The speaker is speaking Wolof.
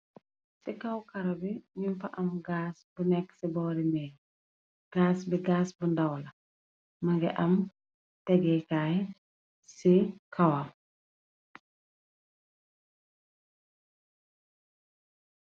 Ci kaw-karabe ñuñ fa am gaas bu nekk ci boori meey gaas bi gaas bu ndawla mëngi am tegikaay ci kawa